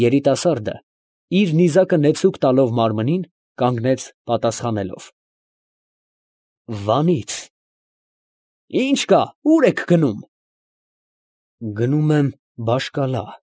Երիտասարդը իր նիզակը նեցուկ տալով մարմնին, կանգնեց, պատասխանելով. ֊ Վանից։ ֊ Ի՞նչ կա, ո՞ւր եք գնում։ ֊ Գնում եմ Բաշ֊Կալա։